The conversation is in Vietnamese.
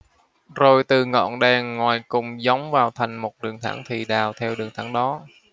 rồi từ ngọn đèn ngoài cùng gióng vào thành một đường thẳng thì đào theo đường thẳng đó